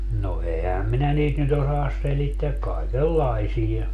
no enhän minä niitä nyt osaa selittää kaikenlaisia